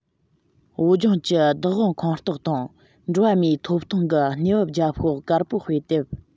བོད ལྗོངས ཀྱི བདག དབང ཁོངས གཏོགས དང འགྲོ བ མིའི ཐོབ ཐང གི གནས བབ རྒྱབ ཤོག དཀར པོའི དཔེ དེབ